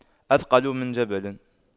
أثقل من جبل